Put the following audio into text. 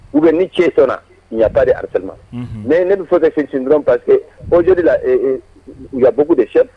U bɛ ni ce sɔrɔ ɲaba de sa ma mɛ ne bɛ fɔ ka selisi dɔrɔn pa que bɔ joli la kabugu de se